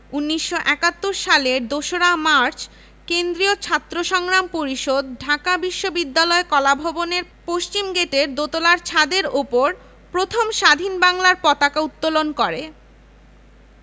১৯৭১ সালের ২ মার্চ কেন্দ্রীয় ছাত্র সংগ্রাম পরিষদ ঢাকা বিশ্ববিদ্যালয় কলাভবনের পশ্চিমগেটের দোতলার ছাদের উপর প্রথম স্বাধীন বাংলার পতাকা উত্তোলন করে